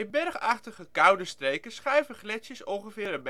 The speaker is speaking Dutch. bergachtige, koude streken schuiven gletsjers ongeveer